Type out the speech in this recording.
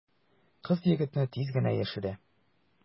Кыз егетне тиз генә яшерә.